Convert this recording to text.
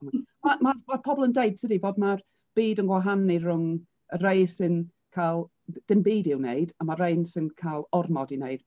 Mae mae mae pobl yn dweud tydi bod mae'r byd yn wahanu rhwng y rhai sy'n cael dim byd i'w wneud, a mae rhai sy'n cael ormod i wneud.